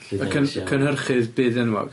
Y cyn- cynhyrchydd byd enwog.